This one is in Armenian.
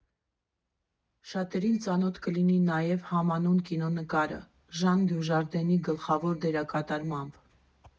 Շատերին ծանոթ կլինի նաև համանուն կինոնկարը՝ Ժան Դյուժարդենի գլխավոր դերակատարմամբ։